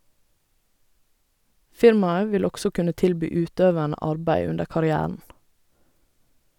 Firmaet vil også kunne tilby utøverne arbeid under karrieren.